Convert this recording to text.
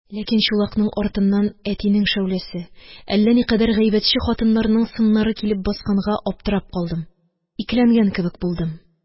Ләкин чулакның артыннан әтинең шәүләсе, әллә никадәр гайбәтче хатыннарның сыннары килеп басканга, аптырап калдым, икеләнгән кебек булдым.